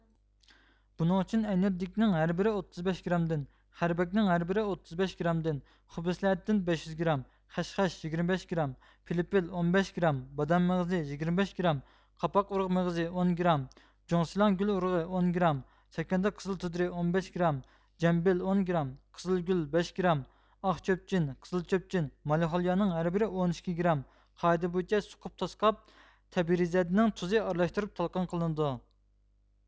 بۇنىڭ ئۈچۈن ئەينۇددېيكنىڭ ھەر بىرى ئوتتۇز بەش گىرامدىن خەربەقنىڭ ھەر بىرى ئوتتۇز بەش گىرامدىن خۇبسىلھەددىن بەش يۈز گىرام خەشخاش يىگىرمە بەش گىرام پىلپىل ئون بەش گىرام بادام مېغىزى يىگىرمە بەش گىرام قاپاق ئۇرۇغى مېغىزى ئون گىرام جۇڭسىلاڭ گۈل ئۇرۇغى ئون گىرام چاكاندا قىزىل تۇدرى ئون بەش گىرام جەمبىل ئون گىرام قىزىلگۈل بەش گىرام ئاق چۆبچىن قىزىل چۆبچىن مالىخوليانىڭ ھەر بىرى ئون ئىككى گىرام قائىدە بويىچە سوقۇپ تاسقاپ تەبىرىزەدنىڭ تۇزى ئارىلاشتۇرۇپ تالقان قىلىنىدۇ